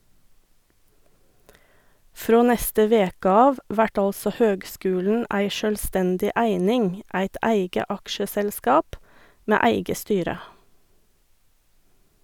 Frå neste veke av vert altså høgskulen ei sjølvstendig eining, eit eige aksjeselskap med eige styre.